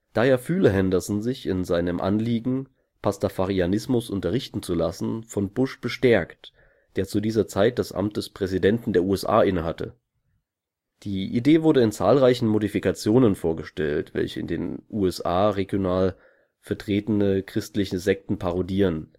Daher fühle Henderson sich in seinem Anliegen, Pastafarianismus unterrichten zu lassen, von Bush bestärkt, der zu dieser Zeit das Amt des Präsidenten der USA innehatte. Die Idee wurde in zahlreichen Modifikationen vorgestellt, welche in den USA regional vertretene christliche Sekten parodieren